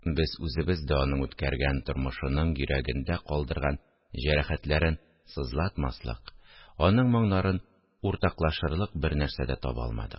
Без үзебез дә аның үткәргән тормышының йөрәгендә калдырган җәрәхәтләрен сызлатмаслык, аның моңнарын уртаклашырлык бер нәрсә дә таба алмадык